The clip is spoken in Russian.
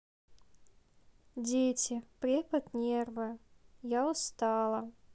дети препод нервы я устала